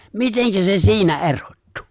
miten se siinä erottui